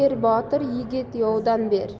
botir yigit yovdan yer